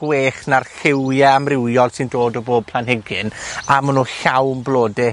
gwech na'r lliwia' amrywiol sy'n dod o bob planhigyn, a men nw llawn blode